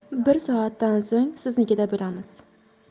bir soatdan so'ng siznikida bo'lamiz